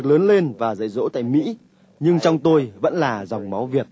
lớn lên và dạy dỗ tại mỹ nhưng trong tôi vẫn là dòng máu việt